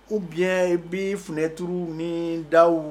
U biɲɛ bɛ funɛt duuruuru ni dawuw